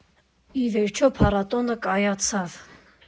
Ի վերջո, փառատոնը կայացավ։